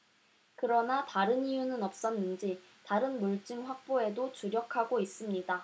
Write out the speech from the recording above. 그러나 다른 이유는 없었는지 다른 물증 확보에도 주력하고 있습니다